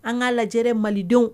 An k kaa lajɛ malidenw